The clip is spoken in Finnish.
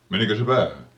menikö se päähän